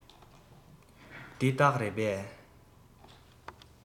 འདི སྟག རེད པས